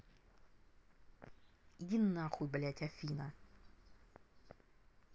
иди нахуй блядь афина